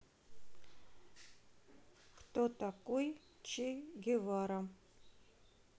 кто такой че гевара